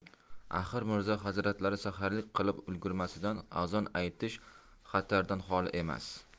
axir mirzo hazratlari saharlik qilib ulgurmasdan azon aytish xatardan xoli emas